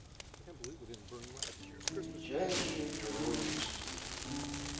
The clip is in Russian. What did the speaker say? величайшие герои мстители